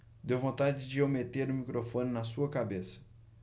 dá vontade de eu meter o microfone na sua cabeça